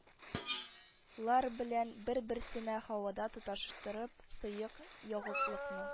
Лар белән бер-берсенә һавада тоташтырып, сыек ягулыкны